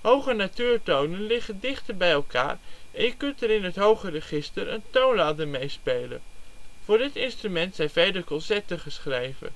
Hoge natuurtonen liggen dichter bij elkaar en je kunt er in het hoge register een toonladder mee spelen. Voor dit instrument zijn vele concerten geschreven